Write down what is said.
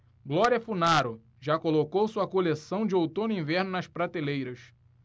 glória funaro já colocou sua coleção de outono-inverno nas prateleiras